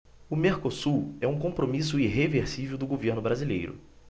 o mercosul é um compromisso irreversível do governo brasileiro